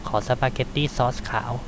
ขอสปาเก็ตตี้ซอสขาว